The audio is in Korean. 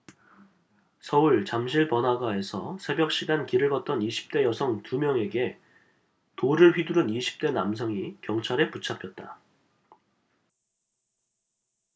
서울 잠실 번화가에서 새벽 시간 길을 걷던 이십 대 여성 두 명에게 돌을 휘두른 이십 대 남성이 경찰에 붙잡혔다